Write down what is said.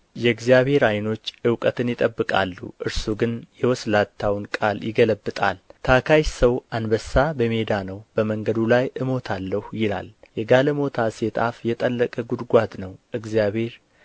የእግዚአብሔር ዓይኖች እውቀትን ይጠብቃሉ እርሱ ግን የወስላታውን ቃል ይገለብጣል ታካች ሰው አንበሳ በሜዳ ነው በመንገዱ ላይ እሞታለሁ ይላል የጋለሞታ ሴት አፍ የጠለቀ ጕድጓድ ነው እግዚአብሔር